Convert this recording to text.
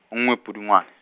nngwe Pudungwane.